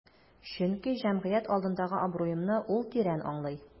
Чөнки җәмгыять алдындагы абруемны ул тирән аңлый.